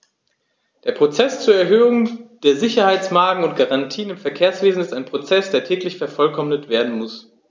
Der Prozess zur Erhöhung der Sicherheitsmargen und -garantien im Verkehrswesen ist ein Prozess, der täglich vervollkommnet werden muss.